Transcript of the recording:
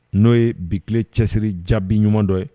N'o ye bile cɛsiri ja binɲuman dɔ ye